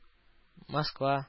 Москва